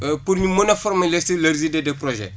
pour ñu mën a former la synergie de de projet